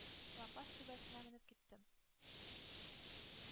Лапас түбәсенә менеп киттем.